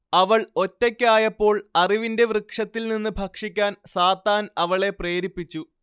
അവൾ ഒറ്റയ്ക്കായപ്പോൾ അറിവിന്റെ വൃക്ഷത്തിൽ നിന്നു ഭക്ഷിക്കാൻ സാത്താൻ അവളെ പ്രേരിപ്പിച്ചു